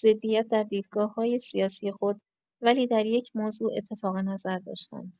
ضدیت در دیدگاه‌های سیاسی خود، ولی در یک موضوع اتفاق‌نظر داشتند.